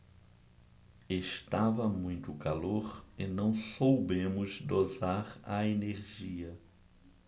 estava muito calor e não soubemos dosar a energia